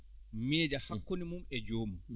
miija hokkunde mum e joomum